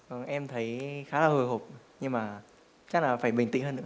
em thấy khá hồi hộp nhưng mà chắc là phải bình tĩnh hơn nữa